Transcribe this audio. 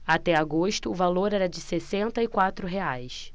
até agosto o valor era de sessenta e quatro reais